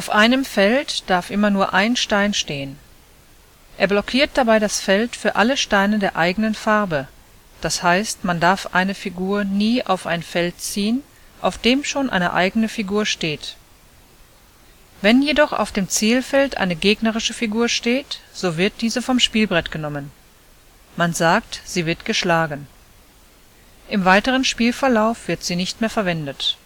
einem Feld darf immer nur ein Stein stehen. Er blockiert dabei das Feld für alle Steine der eigenen Farbe, d. h. man darf eine Figur nie auf ein Feld ziehen, auf dem schon eine eigene Figur steht. Wenn jedoch auf dem Zielfeld eine gegnerische Figur steht, so wird diese vom Spielbrett genommen. Man sagt, sie wird geschlagen. Im weiteren Spielverlauf wird sie nicht mehr verwendet